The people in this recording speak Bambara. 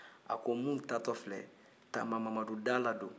a ko min taatɔ filɛ tanba mamadu dala don